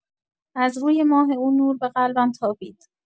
از روی ماه او نور به قلبم تابید.